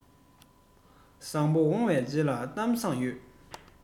ལག ལེན ངན པས ཐལ བ བསླངས ནས འགྲོ